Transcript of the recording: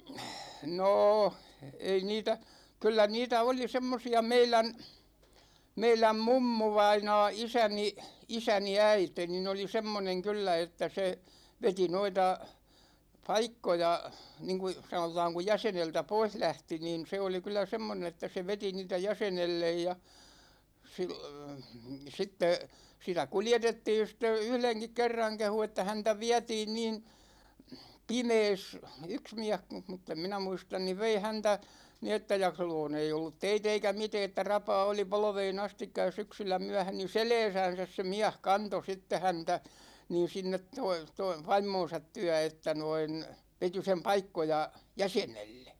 no ei niitä kyllä niitä oli semmoisia meidän meidän mummuvainaa isäni isäni äiti niin oli semmoinen kyllä että se veti noita paikkoja niin kuin sanotaan kun jäseneltä pois lähti niin se oli kyllä semmoinen että se veti niitä jäsenelle ja - sitten sitä kuljetettiin sitten yhdenkin kerran kehui että häntä vietiin niin pimeässä yksi mies kun mutta en minä muista niin vei häntä niin että ja silloin ei ollut teitä eikä mitään että rapaa oli polveen asti ja syksyllä myöhä niin selässänsä se mies kantoi sitten häntä niin sinne toi toi vaimonsa tykö että noin veti sen paikkoja jäsenelle